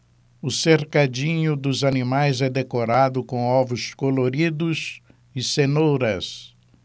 o cercadinho dos animais é decorado com ovos coloridos e cenouras